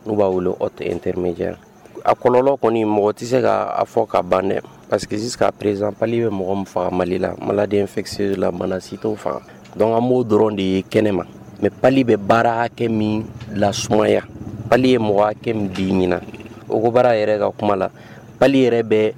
N' b'a bolo tɛ teri a kɔlɔnlɔ kɔni mɔgɔ tɛ se k' fɔ k'a ban dɛ pari que sisan k ka prez pa bɛ mɔgɔ min faga mali la maden fɛsi la mana sit faga dɔn ka maawo dɔrɔn de ye kɛnɛ ma mɛ pa bɛ baarakɛ min lassumaya paul ye mɔgɔkɛ min di ɲin o ko baara yɛrɛ ka kuma na pa yɛrɛ bɛ